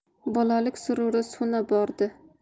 bolalik sururi so'na bordi